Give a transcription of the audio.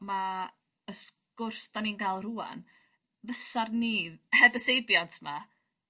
...ma y sgwrs 'dan ni'n ga'l rŵan fysar ni heb y seibiant 'ma